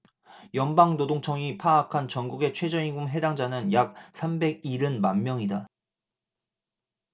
연방노동청이 파악한 전국의 최저임금 해당자는 약 삼백 일흔 만명이다